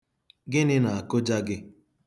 Gịnị na-akụja gị?